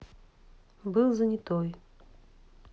был занятой